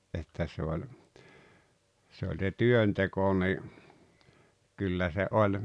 että se oli se oli se työnteko niin kyllä se oli